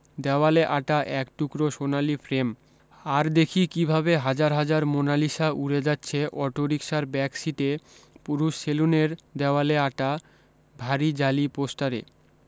দেওয়ালে আঁটা এক টুকরো সোনালী ফ্রেম আর দেখি কিভাবে হাজার হাজার মোনালিসা উড়ে যাচ্ছে অটোরিকশার ব্যাকসীটে পুরুষ সেলুনের দেওয়ালে আঁটা ভারী জালি পোস্টারে